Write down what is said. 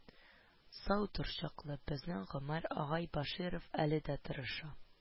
Сау тор чаклы, безнең гомәр агай бәширов , әле дә тырыша,